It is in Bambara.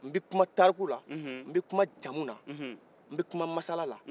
n bɛ kuma taariko la n bɛ kuma jaamu na n bɛ kuma masala la